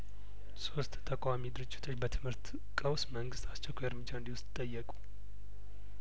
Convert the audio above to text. ሶስት ተቃዋሚ ድርጅቶች በትምህርት ቀውስ መንግስት አስቸኳይ እርምጃ እንዲወስድ ጠየቁ